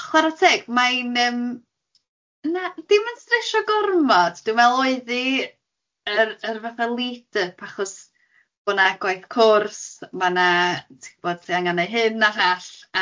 ...chware teg mae'n yym na dim yn stressio gormod dwi'n meddwl oedd hi yr yr fatha lead up achos bo' na gwaith cwrs, ma' na ti'n gwybod ti angen neu hyn a llall a